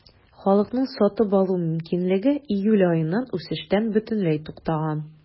Халыкның сатып алу мөмкинлеге июль аеннан үсештән бөтенләй туктаган.